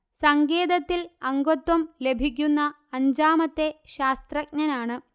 സങ്കേതത്തിൽ അംഗത്വം ലഭിക്കുന്ന അഞ്ചാമത്തെ ശാസ്ത്രജ്ഞനാണ്